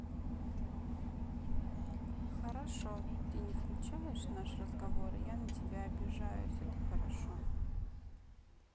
хорошо ты не включаешь наш разговор я на тебя обижаюсь это хорошо